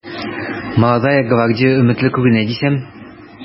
“молодая гвардия” өметле күренә дисәм...